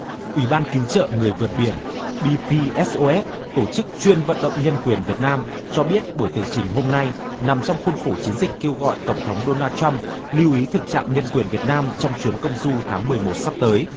ủy ban cứu trợ người vượt biển bi pi ét ô ét tổ chức chuyên vận động nhân quyền việt nam cho biết buổi tường trình hôm nay nằm trong khuôn khổ chiến dịch kêu gọi tổng thống đo là trăm lưu ý thực trạng nhân quyền việt nam trong chuyến công du tháng mười một sắp tới